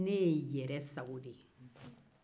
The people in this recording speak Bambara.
ne yeyɛrɛsago de ye